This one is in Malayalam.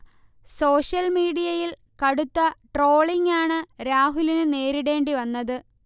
സോഷ്യൽ മിഡീയയിൽ കടുത്ത ട്രോളിംഗ്ആണു രാഹുലിനു നേരിടേണ്ടിവന്നത്